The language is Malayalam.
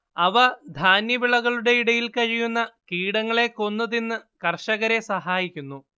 അവ ധാന്യവിളകളുടെ ഇടയിൽ കഴിയുന്ന കീടങ്ങളെ കൊന്ന് തിന്ന് കർഷകരെ സഹായിക്കുന്നു